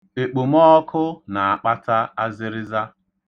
Ekpomọọkụ na-akpata azịrịza.